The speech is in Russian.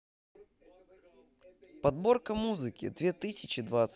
подборка музыки две тысячи двадцать